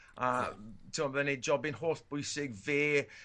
a t'o' bydd e'n neud hollbwysig fe